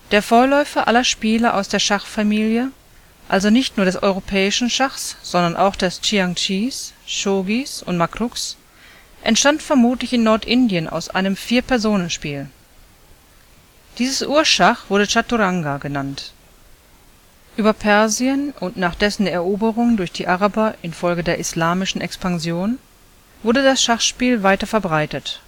Der Vorläufer aller Spiele aus der Schachfamilie, also nicht nur des europäischen Schachs, sondern auch des Xiangqis, Shogis oder Makruks, entstand vermutlich in Nordindien aus einem Vierpersonenspiel. Dieses Urschach wurde Chaturanga genannt. Über Persien und nach dessen Eroberung durch die Araber in Folge der Islamischen Expansion wurde das Schachspiel weiter verbreitet